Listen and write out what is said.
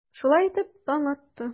Шулай итеп, таң атты.